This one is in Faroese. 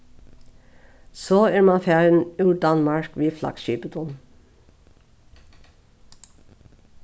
so er mann farin úr danmark við flaggskipinum